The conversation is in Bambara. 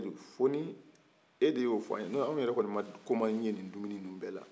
fɔni e de y'o fɔ ye n'o tɛ anw kɔni yɛrɛ man goman ye nin dumuni ninuw bɛ la